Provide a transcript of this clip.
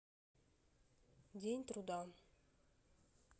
день труда